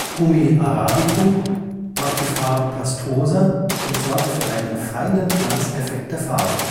Gummi arabicum macht die Farbe pastoser und sorgt für einen feinen Glanzeffekt der Farbe